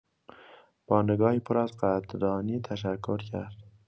با نگاهی پر از قدردانی تشکر کرد.